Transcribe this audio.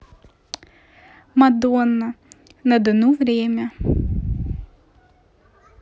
madonna на дону время